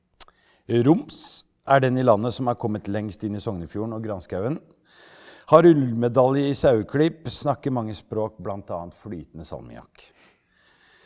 Roms er den i landet som har kommet lengst inn i Sognefjorden og granskauen, har ullmedalje i saueklipp, snakker mange språk, bl.a. flytende salmiakk.